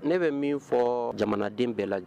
Ne be min fɔ jamanaden bɛɛ lajɛ